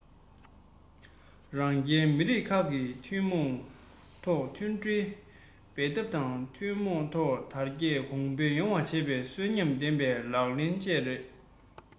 རང རྒྱལ མི རིགས ཁག གིས ཐུན མོང ཐོག མཐུན སྒྲིལ འབད འཐབ དང ཐུན མོང ཐོག དར རྒྱས གོང འཕེལ ཡོང བ བྱེད པའི གསོན ཉམས ལྡན པའི ལག ལེན བཅས རེད